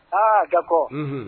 Ah d'accord unhun